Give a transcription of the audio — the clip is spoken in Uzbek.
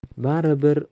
bari bir u